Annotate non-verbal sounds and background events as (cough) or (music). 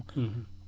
(hesitation)